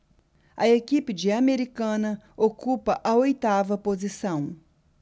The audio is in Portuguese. a equipe de americana ocupa a oitava posição